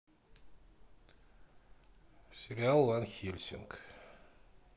сериал ван хельсинг